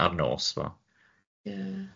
Ie a'r nos sbo.